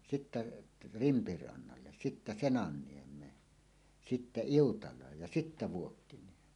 sitten Rimpirannalle sitten Senanniemeen sitten Iutalaan ja sitten Vuokkiniemeen